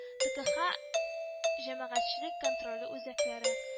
ТэКэХа җәмәгатьчелек контроле үзәкләре